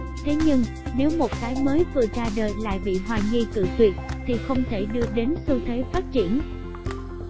thế nhưng nếu một cái mới vừa ra đời lại bị hoài nghi cự tuyệt thì không thể đưa đến xu thế phát triển